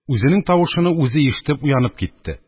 Үзенең тавышыны үзе ишетеп, уянып китте.